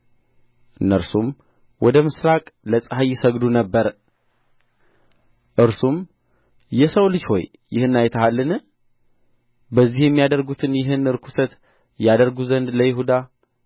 እነርሱም ወደ ምሥራቅ ለፀሐይ ይሰግዱ ነበር እርሱም የሰው ልጅ ሆይ ይህን አይተሃልን በዚህ የሚያደርጉትን ይህን ርኵሰት ያደርጉ ዘንድ ለይሁዳ